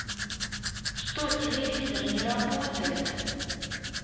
что телевизор не работает